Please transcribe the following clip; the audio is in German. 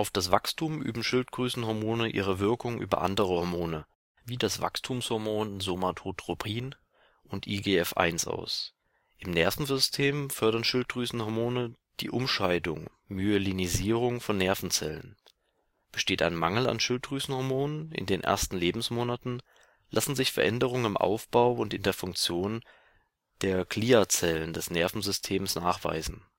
das Wachstum üben Schilddrüsenhormone ihre Wirkung über andere Hormone wie das Wachstumshormon Somatotropin und IGF-1 aus. Im Nervensystem fördern Schilddrüsenhormone die Umscheidung (Myelinisierung) von Nervenzellen. Besteht ein Mangel an Schilddrüsenhormonen in den ersten Lebensmonaten, lassen sich Veränderungen im Aufbau und in der Funktion der Gliazellen des Nervensystems nachweisen